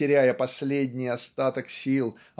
теряя последний остаток сил